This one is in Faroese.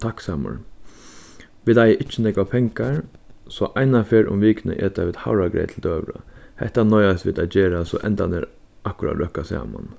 takksamur vit eiga ikki nógvar pengar so eina ferð um vikuna eta vit havragreyt til døgurða hetta noyðast vit at gera so endarnir akkurát røkka saman